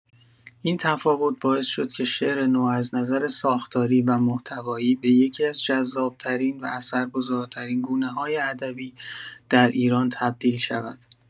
این تفاوت باعث شد که شعر نو از نظر ساختاری و محتوایی به یکی‌از جذاب‌ترین و اثرگذارترین گونه‌های ادبی در ایران تبدیل شود.